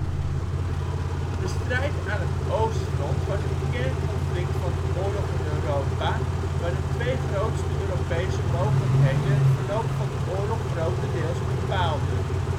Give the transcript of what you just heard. strijd aan het oostfront was het kernconflict van de oorlog in Europa, waar de twee grootste Europese mogendheden het verloop van de oorlog grotendeels bepaalden